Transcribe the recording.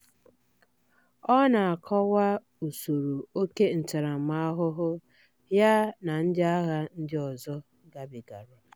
Ọ na-akọwa usoro óké ntaramahụhụ ya na ndị agha ndị ọzọ gabigara: